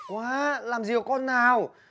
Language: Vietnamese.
quá làm gì có con nào